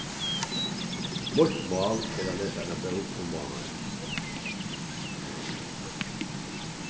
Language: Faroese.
mítt mál er at lesa eina bók um mánaðin